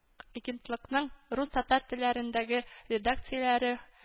Агентлыкның рус, татар телләрендәге редакцияләре